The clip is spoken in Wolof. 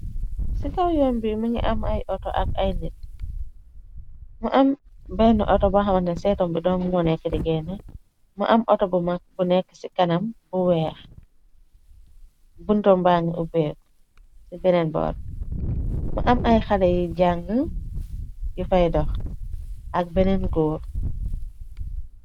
Ci kaw yom bi mini am ay auto ak ay nit , mu am benn auto bu xamante seton bi doom moo nekk digeene, mu am auto bu nekka ci kanam bu weex, bu ntombang uberg ci bennen bori, ma am ay xale yi jàng yu fay dox ak benneen goor.